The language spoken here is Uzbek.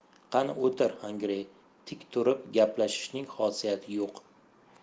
qani o'tir xongirey tik turib gaplashishning xosiyati yo'q